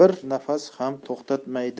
bir nafas ham to'xtatmaydi